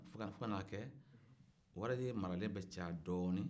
fo kana kɛ fo kana kɛ wari maralen bɛ caya dɔɔnin